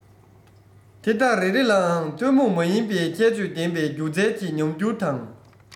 དེ དག རེ རེ ལའང ཐུན མོང མིན པའི ཁྱད ཆོས ལྡན པའི སྒྱུ རྩལ གྱི ཉམས འགྱུར དང